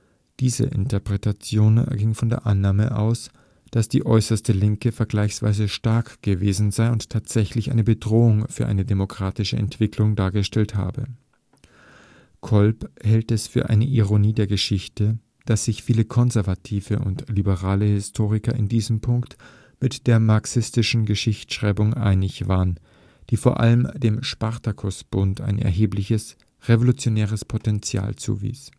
Diese Interpretation ging von der Annahme aus, dass die äußerste Linke vergleichsweise stark gewesen sei und tatsächlich eine Bedrohung für eine demokratische Entwicklung dargestellt habe. Kolb hält es für eine Ironie der Geschichte, dass sich viele konservative und liberale Historiker in diesem Punkt mit der marxistischen Geschichtsschreibung einig waren, die vor allem dem Spartakusbund ein erhebliches revolutionäres Potenzial zuwies